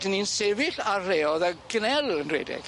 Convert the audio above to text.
'Dyn ni'n sefyll ar re o'dd y genel yn redeg.